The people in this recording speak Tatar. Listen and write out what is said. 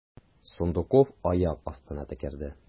Сундуков аяк астына төкерде.